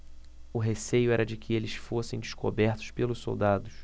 o receio era de que eles fossem descobertos pelos soldados